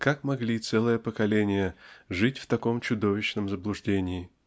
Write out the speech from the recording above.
как могли целые поколения жить в таком чудовищном заблуждении